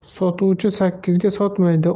sotuvchi sakkizga sotmaydi